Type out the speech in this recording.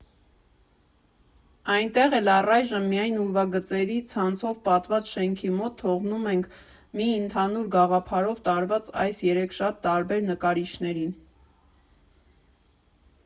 Այնտեղ էլ՝ առայժմ միայն ուրվագծերի ցանցով պատված շենքի մոտ թողնում ենք մի ընդհանուր գաղափարով տարված այս երեք շատ տարբեր նկարիչներին։